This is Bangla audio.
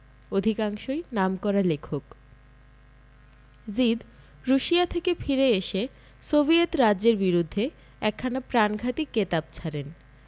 অধিকাংশই নামকরা লেখক জিদ রুশিয়া থেকে ফিরে এসে সোভিয়েট রাজ্যের বিরুদ্ধে একখানা প্রাণঘাতী কেতাব ছাড়েন